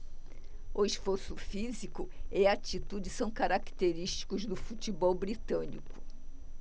o esforço físico e a atitude são característicos do futebol britânico